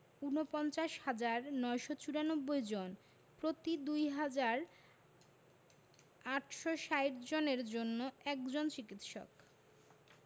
৪৯হাজার ৯৯৪ জন প্রতি ২হাজার ৮৬০ জনের জন্য একজন চিকিৎসক